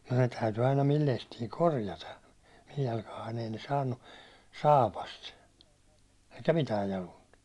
ne täytyi aina minun lestini korjata minun jalkaani ei ne saanut saapasta eikä mitään jaluinta